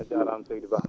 a jaaraama seydi Bah